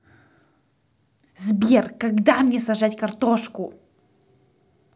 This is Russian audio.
сбер когда мне сажать картошку